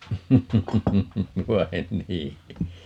vai niin